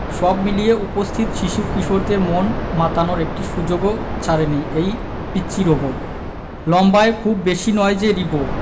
সব মিলিয়ে উপস্থিত শিশু কিশোরদের মন মাতানোর একটি সুযোগও ছাড়েনি এই পিচ্চি রোবট লম্বায় খুব বেশি নয় যে রিবো